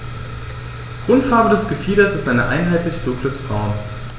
Grundfarbe des Gefieders ist ein einheitliches dunkles Braun.